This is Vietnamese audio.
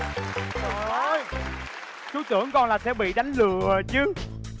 trời ơi chú tưởng con là sẽ bị đánh lừa chứ